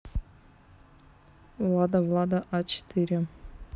влада влада а четыре